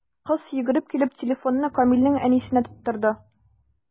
Кыз, йөгереп килеп, телефонны Камилнең әнисенә тоттырды.